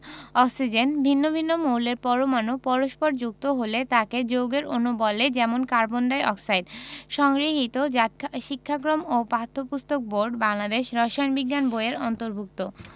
oxygen ভিন্ন ভিন্ন মৌলের পরমাণু পরস্পর যুক্ত হলে তাকে যৌগের অণু বলে যেমন কার্বন ডাই অক্সাইড সংগৃহীত জাতীয় শিক্ষাক্রম ও পাঠ্যপুস্তক বোর্ড বাংলাদেশ রসায়ন বিজ্ঞান বই এর অন্তর্ভুক্ত